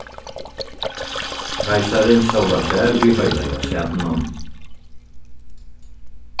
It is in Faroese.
keisarin sólar sær í heilaga sætinum